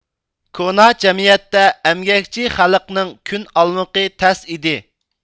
كونا جەمئىيەتتە ئەمگەكچى خەلقنىڭ كۈن ئالمىقى تەس ئىدى